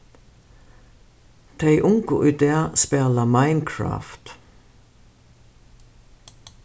tey ungu í dag spæla minecraft